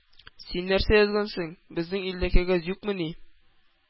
— син нәрсәгә язгансың! безнең илдә кәгазь юкмыни? —